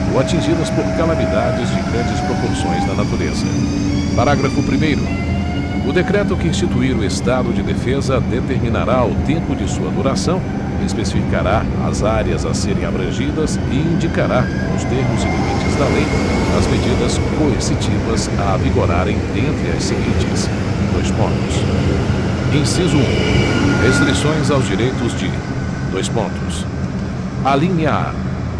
ou atingidas por calamidades de grandes proporções na natureza parágrafo primeiro o decreto que instituir o estado de defesa determinará o tempo de sua duração especificará as áreas a serem abrangidas e indicará nos termos e limites da lei as medidas coercitivas a vigorarem dentre as seguintes dois pontos inciso um restrições aos direitos de dois pontos alínea a